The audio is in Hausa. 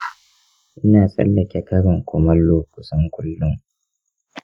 ina tsallake karin kumallo kusan kullum